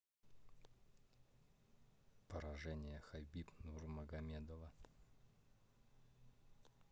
поражение хабиб нурмагомедова